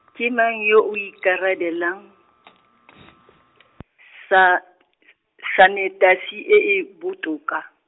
ke mang yo o ikarabelang , sa- , sanetasi e e botoka.